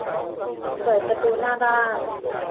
เปิดประตูหน้าบ้าน